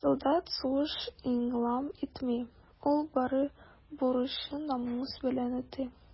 Солдат сугыш игълан итми, ул бары бурычын намус белән үти.